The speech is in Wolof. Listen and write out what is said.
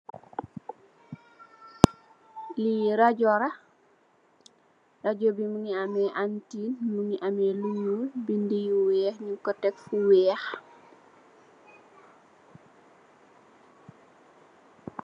Li rajo la, rajo bi mugii ameh antin, mugii ameh lu ñuul, bindé yu wèèx, ngi ko tek fu wèèx.